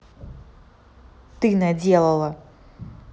ты наделала